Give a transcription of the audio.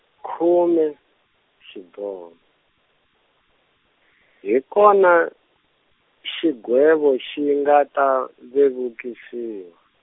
khume, xiboho, hi kona, xigwevo xi nga ta, vevukisiwa.